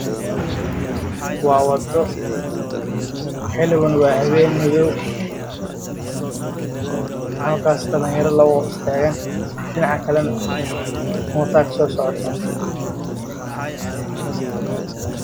Waa wado waa xili haben madow hal kaas labo dhalinyaro baa taagan